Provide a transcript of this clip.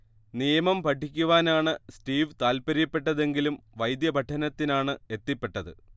നിയമം പഠിക്കുവാനാണ് സ്റ്റീവ് താൽപര്യപ്പെട്ടതെങ്കിലും വൈദ്യപഠനത്തിനാണ് എത്തിപ്പെട്ടത്